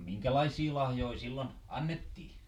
no minkälaisia lahjoja silloin annettiin